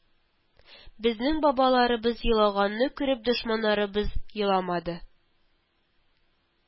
Безнең балаларыбыз елаганны күреп дошманнарыбыз еламады